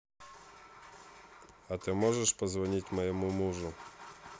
а ты можешь позвонить моему мужу